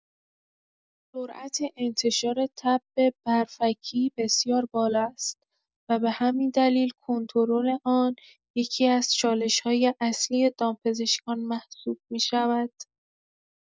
سرعت انتشار تب برفکی بسیار بالا است و به همین دلیل کنترل آن یکی‌از چالش‌های اصلی دامپزشکان محسوب می‌شود.